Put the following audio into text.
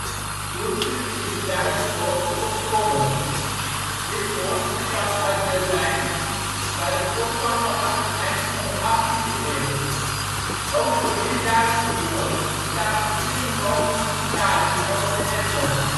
– Gurke is het Duitse woord voor " komkommer "). Dit woord stamt uit Berlijn, waar het voorkwam vanaf het eind van de achttiende eeuw. Ook voor dit Duitse woord bestaan verschillende mogelijke verklaringen over de herkomst